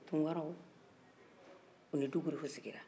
tunkaraw u ni dukurefu sigira